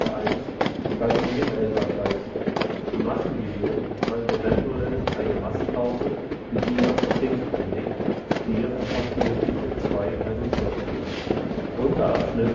1) galt nur dem Elferkreis; die Massenvision meint eventuell eine Massentaufe wie die nach der Pfingstpredigt (Apg 2,41